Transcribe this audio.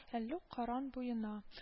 Әллүк каран буена